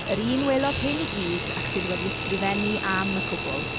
Yr un welodd hyn i gyd ac sydd wedi ysgrifennu am y cwbl.